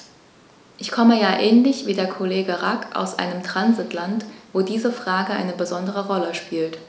Ich komme ja ähnlich wie der Kollege Rack aus einem Transitland, wo diese Frage eine besondere Rolle spielt.